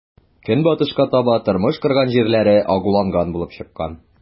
Көнбатышка таба тормыш корган җирләре агуланган булып чыккан.